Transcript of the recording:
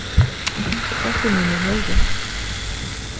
dóttir mín er horvin